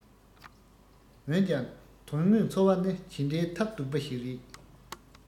འོན ཀྱང དོན དངོས འཚོ བ ནི ཇི འདྲའི ཐབས སྡུག པ ཞིག རེད